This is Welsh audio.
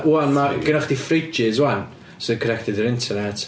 'Wan mae gennych chdi fridges wan sy'n connected i'r internet.